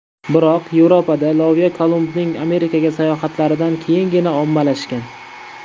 biroq yevropada loviya kolumbning amerikaga sayohatlaridan keyingina ommalashgan